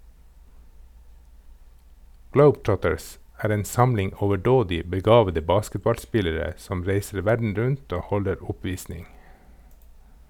Globetrotters er en samling overdådig begavede basketballspillere som reiser verden rundt og holder oppvisning.